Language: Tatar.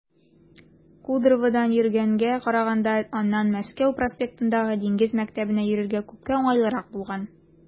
Кудроводан йөргәнгә караганда аннан Мәскәү проспектындагы Диңгез мәктәбенә йөрергә күпкә уңайлырак булган.